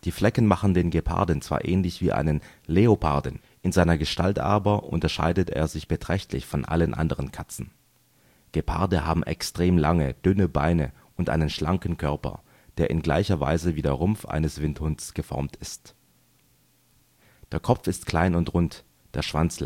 Flecken machen den Geparden zwar ähnlich wie einen Leoparden, in seiner Gestalt aber unterscheidet er sich beträchtlich von allen anderen Katzen. Geparde haben extrem lange, dünne Beine und einen schlanken Körper, der in gleicher Weise wie der Rumpf eines Windhunds geformt ist. Der Kopf ist klein und rund, der Schwanz lang